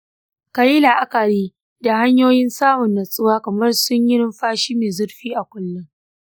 ka yi la'akari da hanyoyin samun natsuwa kamar su yin numfashi mai zurfi a kullum.